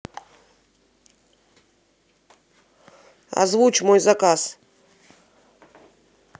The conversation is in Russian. озвучь мой заказ